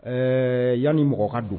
Ɛɛ yan ni mɔgɔ ka don